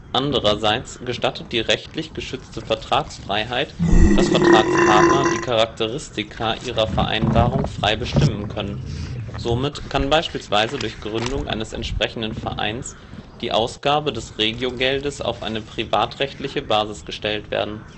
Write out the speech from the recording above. Andererseits gestattet die rechtlich geschützte Vertragsfreiheit, dass Vertragspartner die Charakteristika ihrer Vereinbarung frei bestimmen können. Somit kann, beispielsweise durch Gründung eines entsprechenden Vereins, die Ausgabe des Regiogeldes auf eine privatrechtliche Basis gestellt werden